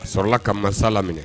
A sɔrɔlala ka mansasa laminɛ